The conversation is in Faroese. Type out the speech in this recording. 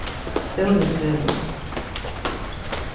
stórhúsvegur